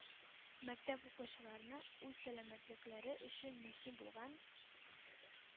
Мәктәп укучыларына үз сәламәтлекләре өчен мөһим булган